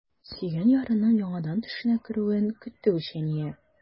Сөйгән ярының яңадан төшенә керүен көтте үчәния.